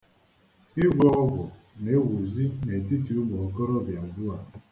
Ịgwọ ọgwụ na-ewuzi n'etiti ụmụ okorobịa ugbua.